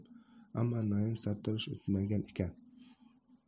ammo naim sartarosh unutmagan ekan